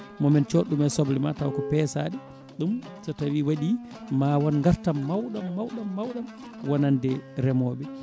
momin cood ɗum e soble ma taw ko pesaɗe ɗum so tawi waɗi ma woon gartam mawɗam maɗam mawɗam wonande remoɓe